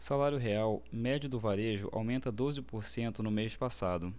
salário real médio do varejo aumenta doze por cento no mês passado